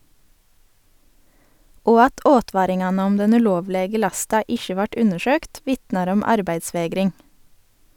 Og at åtvaringane om den ulovlege lasta ikkje vart undersøkt, vitnar om arbeidsvegring.